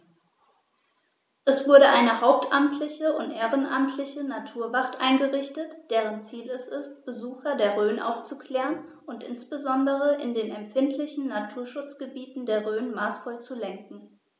Es wurde eine hauptamtliche und ehrenamtliche Naturwacht eingerichtet, deren Ziel es ist, Besucher der Rhön aufzuklären und insbesondere in den empfindlichen Naturschutzgebieten der Rhön maßvoll zu lenken.